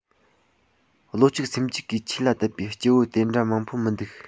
བློ གཅིག སེམས གཅིག གིས ཆོས ལ དད པའི སྐྱེ བོ དེ འདྲ མང པོ མི འདུག